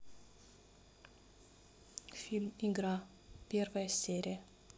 фильм игра первая серия